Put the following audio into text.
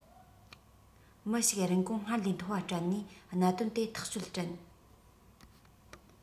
མི ཞིག རིན གོང སྔར ལས མཐོ བ སྤྲད ནས གནད དོན དེ ཐག གཅོད དྲན